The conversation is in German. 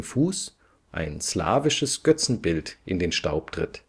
Fuß ein slawisches Götzenbild in den Staub tritt